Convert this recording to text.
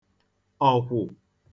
ọ̀kwụ̀